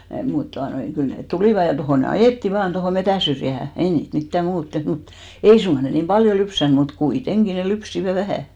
mutta tuota noin kyllä ne tulivat ja tuohon ne ajettiin vain tuohon metsänsyrjään ei niitä mitään muuta tehty mutta ei suinkaan ne niin paljon lypsänyt mutta kuitenkin ne lypsivät vähän